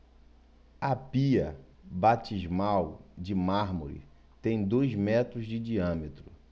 a pia batismal de mármore tem dois metros de diâmetro